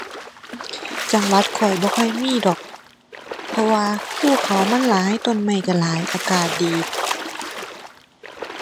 จังหวัดข้อยบ่ค่อยมีดอก เพราะว่าภูเขามันหลาย ต้นไม้ก็หลาย อากาศดี